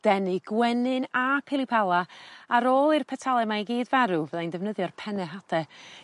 denu gwenyn a pilipala ar ôl i'r petale 'ma i gyd farw fyddai'n defnyddio'r penne hade